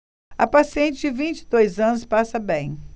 a paciente de vinte e dois anos passa bem